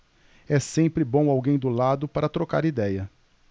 é sempre bom alguém do lado para trocar idéia